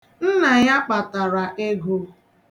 Nna ya kpatara ego.